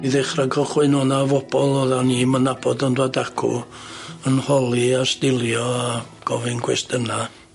I ddechra cychwyn o' 'na fobol oddan ni'm yn nabod yn dod acw yn holi a stilio a gofyn cwestyna.